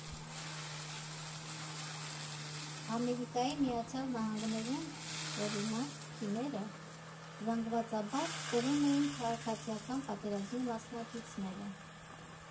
Ամերիկայի Միացյալ Նահանգներում, օրինակ, փիները զանգվածաբար կրում էին Քաղաքացիական պատերազմի մասնակիցները.